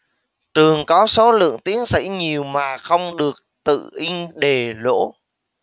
trường có số lượng tiến sĩ nhiều mà không được tự in đề lỗ